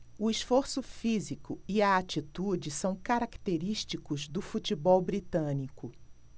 o esforço físico e a atitude são característicos do futebol britânico